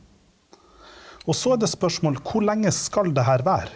og så er det spørsmål hvor lenge skal det her være?